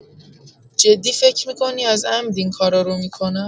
جدی فکر می‌کنی از عمد این کارا رو می‌کنم؟